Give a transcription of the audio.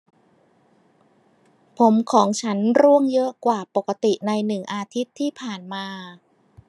ผมของฉันร่วงเยอะกว่าปกติในหนึ่งอาทิตย์ที่ผ่านมา